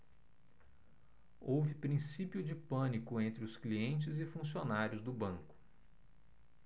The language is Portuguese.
houve princípio de pânico entre os clientes e funcionários do banco